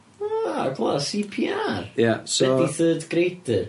O, gweld See Pee Are. Ia, so... Be' 'di third grader?